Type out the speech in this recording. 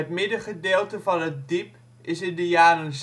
middengedeelte van het diep is in de jaren